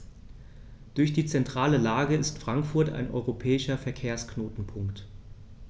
Durch die zentrale Lage ist Frankfurt ein europäischer Verkehrsknotenpunkt.